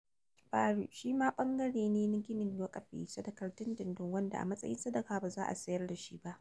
Jahaj Bari shi ma wani ɓangare ne na ginin waƙafi (sadakar dindindin), wanda a matsayin sadaka, ba za a siyar da shi ba.